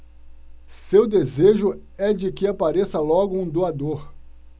seu desejo é de que apareça logo um doador